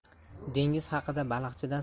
dengiz haqida baliqchidan